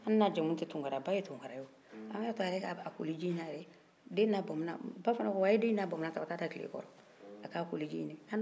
aw y'a to a yɛrɛ k'a koliji ɲinin a yɛrɛ ye den n'a bamunan ba fana ko aw ye den in n'a bamunan ta ka ta'a da tile kɔrɔ a k'a koliji ɲinin u y'a n'a bamunan ta an'a joli ma ka ta'a da tile kɔrɔ